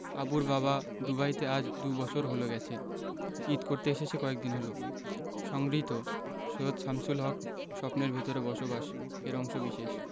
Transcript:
আবুর বাবা দুবাইতে আজ দুবছর হলো গেছে ঈদ করতে এসেছে কয়েকদিন হলো সংগৃহীত সৈয়দ শামসুল হক স্বপ্নের ভেতরে বসবাস এর অংশবিশেষ